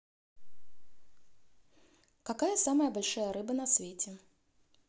какая самая большая рыба на свете